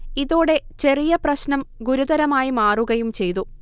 ഇതോടെ ചെറിയ പ്രശ്നം ഗുരുതരമായി മാറുകയും ചെയ്തു